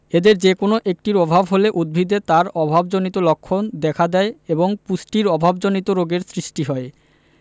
এদের যেকোনো একটির অভাব হলে উদ্ভিদে তার অভাবজনিত লক্ষণ দেখা দেয় এবং পুষ্টির অভাবজনিত রোগের সৃষ্টি হয়